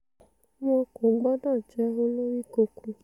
Wọn kò gbọdọ̀ jẹ́ olórikunkun.